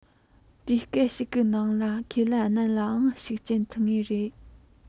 དུས སྐབས ཤིག གི ནང ལ ཁས ལེན རྣམས ལའང ཤུགས རྐྱེན ཐེབས ངེས རེད